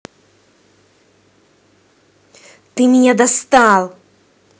ты меня достал